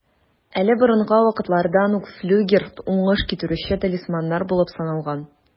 Әле борынгы вакытлардан ук флюгер уңыш китерүче талисманнар булып саналган.